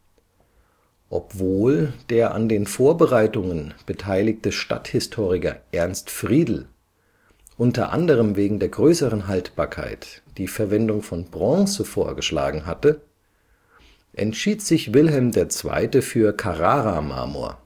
Obwohl der an den Vorbereitungen beteiligte Stadthistoriker Ernst Friedel, unter anderem wegen der größeren Haltbarkeit, die Verwendung von Bronze vorgeschlagen hatte, entschied sich Wilhelm II. für Carrara-Marmor